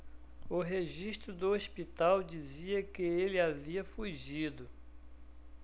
o registro do hospital dizia que ele havia fugido